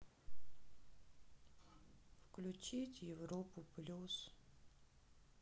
включить европу плюс